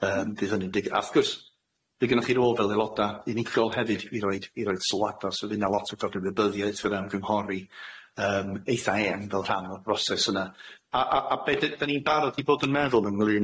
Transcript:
Yym bydd hynny'n dig- a wrth gwrs bydd gynnoch chi rôl fel aeloda unigol hefyd i roid i roid sylwada so fydd yna lot o gyfrifiabyddiaeth fydd o'n cynghori yym eitha eang fel rhan o'r broses yna a a a be' d- dyn ni'n barod i bod yn meddwl ynglŷn